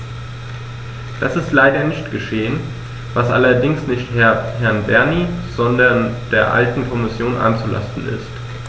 Das ist leider nicht geschehen, was allerdings nicht Herrn Bernie, sondern der alten Kommission anzulasten ist.